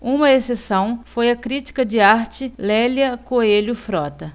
uma exceção foi a crítica de arte lélia coelho frota